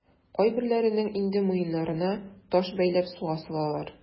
Кайберләренең инде муеннарына таш бәйләп суга салалар.